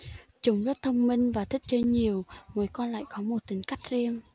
chúng rất thông minh và thích chơi nhiều mỗi con lại có một tính cách riêng